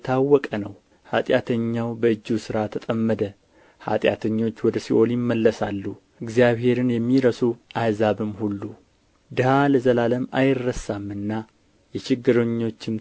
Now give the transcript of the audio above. የታወቀ ነው ኃጢአተኛው በእጆቹ ሥራ ተጠመደ ኃጢአተኞች ወደ ሲኦል ይመለሳሉ እግዚአብሔርን የሚረሱ አሕዛብም ሁሉ ድሀ ለዘላለም አይረሳምና የችግረኞችም